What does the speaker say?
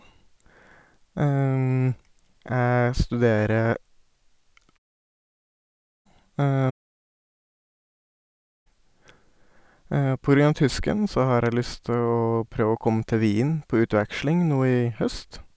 Jeg studerer På grunn av tysken så har jeg lyst til å prøve å komme til Wien på utveksling nå i høst.